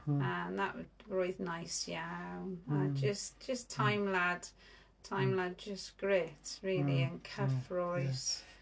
And that roedd nice iawn. A jyst jyst teimlad, teimlad jyst grêt, rili yn cyffrous.